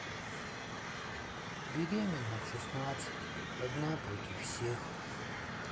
беременна в шестнадцать одна против всех